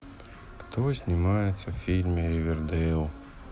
кто снимается в фильме ривердейл